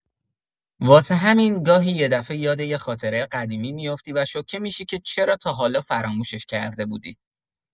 واسه همین گاهی یه دفعه یاد یه خاطره قدیمی می‌افتی و شوکه می‌شی که چرا تا حالا فراموشش کرده بودی.